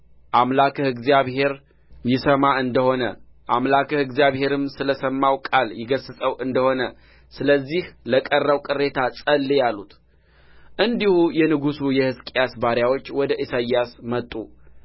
አምላካህ እግዚአብሔር ይሰማ እንደ ሆነ አምላክህ እግዚአብሔርም ስለ ሰማው ቃል ይገሥጸው እንደ ሆነ ስለዚህ ለቀረው ቅሬታ ጸልይ አሉት እንዲሁ የንጉሡ የሕዝቅያስ ባሪያዎች ወደ ኢሳይያስ መጡ